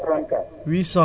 76